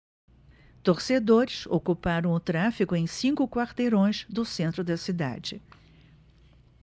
torcedores ocuparam o tráfego em cinco quarteirões do centro da cidade